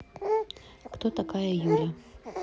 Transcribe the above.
кто такая юля